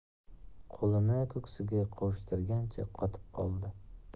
qo'lini ko'ksiga qovushtirgancha qotib qoldi